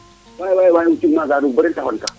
*